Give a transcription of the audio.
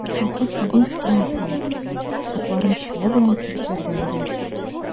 Шәүкәт абый шуны сизеп: "Китапларым чыгу белән кибетләрдә бетә".